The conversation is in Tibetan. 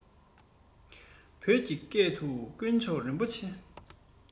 བོད ཀྱི སྐད དུ དཀོན མཆོག རིན པོ ཆེ